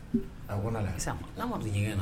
A bɔra la sisan amadu don ɲɛgɛn na